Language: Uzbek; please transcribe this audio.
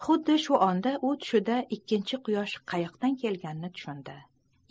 xuddi shu onda u tushida ikkinchi quyosh qayoqdan kel ganini tushundi